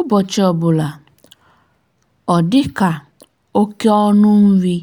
Ụbọchị ọbụla, ọ dị ka, oke ọnụ nri